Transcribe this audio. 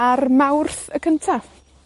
ar Mawrth y cynta.